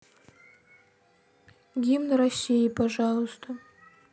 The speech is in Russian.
гимн россии пожалуйста